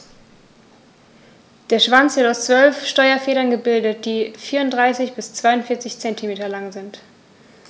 Der Schwanz wird aus 12 Steuerfedern gebildet, die 34 bis 42 cm lang sind.